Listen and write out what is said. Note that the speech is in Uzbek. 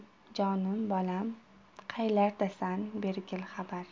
jonim bolam qaylardasan bergil xabar